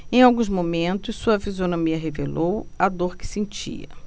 em alguns momentos sua fisionomia revelou a dor que sentia